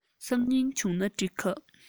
སང ཉིན བྱུང ན འགྲིག ག